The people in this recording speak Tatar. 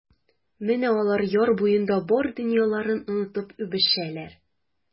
Менә алар яр буенда бар дөньяларын онытып үбешәләр.